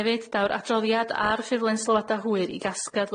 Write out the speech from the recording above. Hefyd daw'r adroddiad a'r ffurflen sylwada hwyr i gasgliad